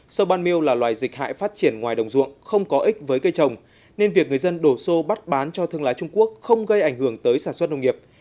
sâu ban miêu là loài dịch hại phát triển ngoài đồng ruộng không có ích với cây trồng nên việc người dân đổ xô bắt bán cho thương lái trung quốc không gây ảnh hưởng tới sản xuất nông nghiệp